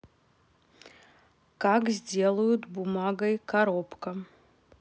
как сделают бумагой коробка